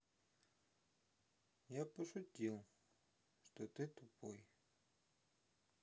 я пошутил что ты тупой